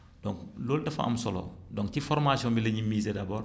donc loolu dafa am solo donc ci formation bi la ñuy miser d' abord